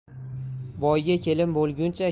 boyga kelin bo'lguncha